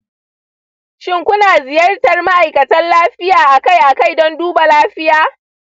shin kuna ziyartar ma'aikatar lafiya akai-akai don duba lafiya?